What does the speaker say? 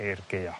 i'r Gaea.